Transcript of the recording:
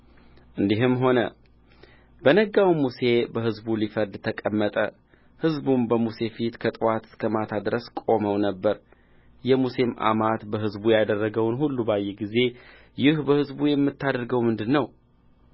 እንዲህም ሆነ በነጋው ሙሴ በሕዝቡ ሊፈርድ ተቀመጠ ሕዝቡም በሙሴ ፊት ከጥዋት እስከ ማታ ድረስ ቆመው ነበር የሙሴም አማት በሕዝቡ ያደረገውን ሁሉ ባየ ጊዜ ይህ በሕዝቡ የምታደርገው ምንድር ነው